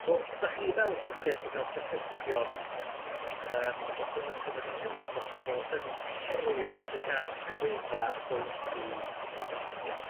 So ydach chi fel llyfrgell 'di ca'l trafferthion yym yn y gorffyn- yn y gorffennol lle ma' pobol yn heriol tug at agwedda golygu wicipedia?